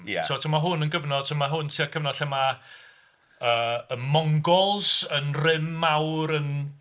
Ia... So t'bo mae hwn yn gyfnod... so mae hwn tua cyfnod lle mae yy y Mongols yn rym mawr yn...